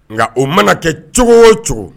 Nka o mana kɛ cogo o cogo